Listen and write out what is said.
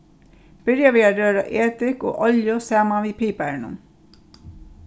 byrja við at røra edik og olju saman við piparinum